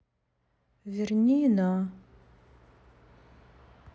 верни на